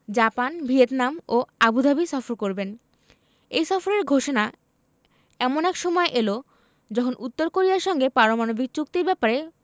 Japan Vietnam ও Abu Dhabi সফর করবেন এই সফরের ঘোষণা এমন এক সময়ে এল যখন উত্তর কোরিয়ার সঙ্গে পারমাণবিক চুক্তির ব্যাপারে